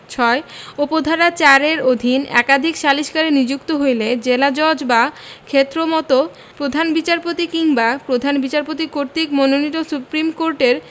৬ উপ ধারা ৪ এর অধীন একাধিক সালিসকারী নিযুক্ত হইলে জেলাজজ বা ক্ষেত্রমত প্রধান বিচারপত কিংবা প্রধান বিচারপতি কর্তৃক মানোনীত সুপ্রীম কোর্টের